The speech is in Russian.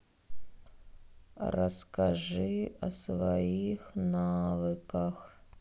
расскажи о своих навыках